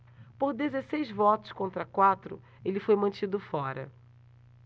por dezesseis votos contra quatro ele foi mantido fora